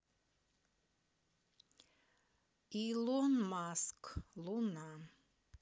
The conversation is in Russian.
илон маск луна